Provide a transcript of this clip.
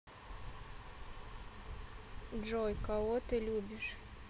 джой кого ты любишь